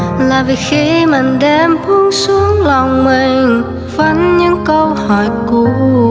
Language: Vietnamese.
là vì khi màn đêm buông xuống lòng mình vẫn những câu hỏi cũ